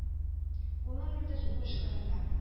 Улың үлде сугыш кырында.